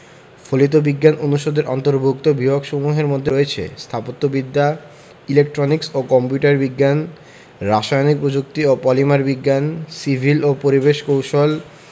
ফলিত বিজ্ঞান অনুষদের অন্তর্ভুক্ত বিভাগসমূহের মধ্যে আছে স্থাপত্যবিদ্যা ইলেকট্রনিক্স ও কম্পিউটার বিজ্ঞান রাসায়নিক প্রযুক্তি ও পলিমার বিজ্ঞান সিভিল ও পরিবেশ কৌশল